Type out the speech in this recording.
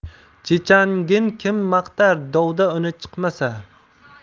chechanhgin kim maqtar dovda uni chiqmasa